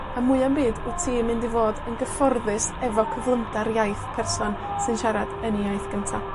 a mwya 'm byd wt ti'n mynd i fod yn gyfforddus efo cyflymdar iaith person sy'n siarad yn 'i iaith gynta.